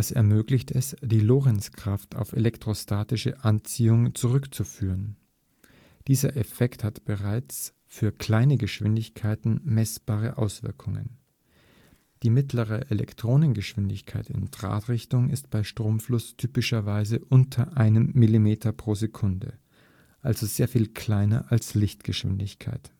ermöglicht es, die Lorentzkraft auf elektrostatische Anziehung zurückzuführen. Dieser Effekt hat bereits für kleine Geschwindigkeiten messbare Auswirkungen – die mittlere Elektronengeschwindigkeit in Drahtrichtung ist bei Stromfluss typischerweise unter einem Millimeter pro Sekunde, also sehr viel kleiner als Lichtgeschwindigkeit